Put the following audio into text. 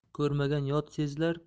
ko'rmagan yot sezilar